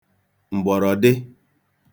m̀gbọ̀rọ̀dị